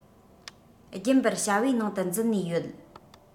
རྒྱུན པར བྱ བའི ནང དུ འཛུལ ནས ཡོད